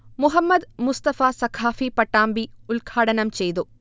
മുഹമ്മ്ദ് മുസ്ഫ സഖാഫി പട്ടാമ്പി ഉൽഘാടനം ചെയ്തു